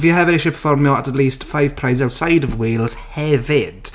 Fi hefyd eisiau pefformio at at least five Prides outside of Wales hefyd.